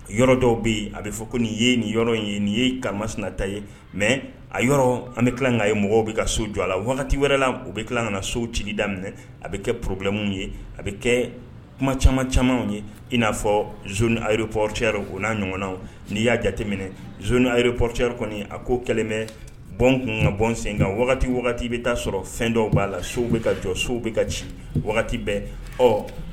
Yɔrɔ dɔw bɛ yen a bɛ fɔ ko ye nin yɔrɔ ye nin ye kasta ye mɛ a yɔrɔ an bɛ tila ka ye mɔgɔw bɛ ka so jɔ a la wagati wɛrɛla u bɛ tila nana so ci daminɛ a bɛ kɛ porobilɛw ye a bɛ kɛ kuma caman camanw ye i n'a fɔ zoni are potero o n'a ɲɔgɔn na n'i y'a jateminɛ z are pɔotari kɔni a ko kɛlenmɛ bɔn tun ka bɔn sen nka wagati bɛ taa sɔrɔ fɛn dɔw b'a la sow bɛ ka jɔ sow bɛ ka ci wagati bɛɛ ɔ